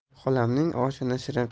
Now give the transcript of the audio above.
xolamning oshini shirin